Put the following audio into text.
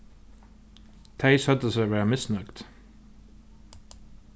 tey søgdu seg vera misnøgd